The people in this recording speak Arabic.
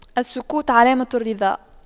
السكوت علامة الرضا